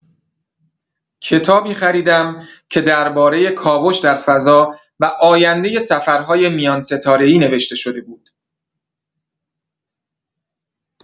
کتابی خریدم که درباره کاوش در فضا و آینده سفرهای میان‌ستاره‌ای نوشته شده بود.